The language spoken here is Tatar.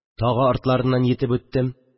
Тагы артларынан йитеп үттем